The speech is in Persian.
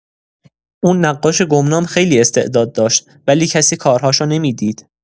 اون نقاش گمنام خیلی استعداد داشت ولی کسی کارهاشو نمی‌دید.